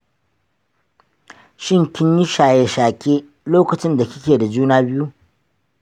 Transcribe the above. shin kin yi shaye-shake lokacin da kike da juna biyu?